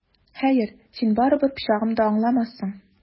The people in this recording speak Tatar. Хәер, син барыбер пычагым да аңламассың!